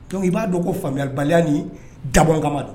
Donv i b'a dɔn ko faamuyabali ni dabɔ kama don